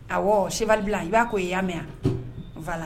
A se bila i b'a ko i' mɛn fa la